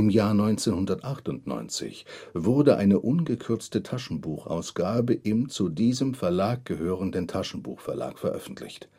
Jahr 1998 wurde eine ungekürzte Taschenbuchausgabe im zu diesem Verlag gehörenden Taschenbuchbuchverlag veröffentlicht